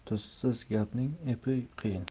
tuzsiz gapning epi qiyin